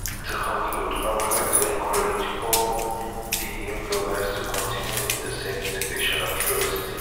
To conclude, I would like to encourage all the new bloggers to continue with the same motivation and curiosity.